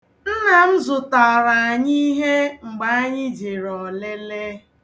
Nna m zụtaara anyị ihe mgbe anyị jere ọlịlị.